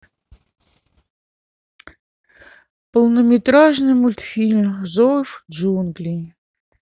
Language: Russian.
полнометражный мультфильм зов джунглей